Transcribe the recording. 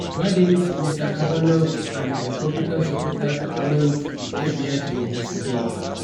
Why didn't Mr Kavanaugh and his Republican supporters want the FBI to investigate?